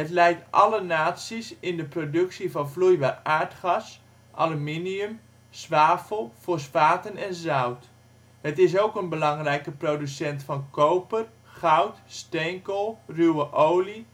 leidt alle naties in de productie van vloeibaar aardgas, aluminium, zwavel, fosfaten en zout. Het is ook een belangrijke producent van koper, goud, steenkool, ruwe olie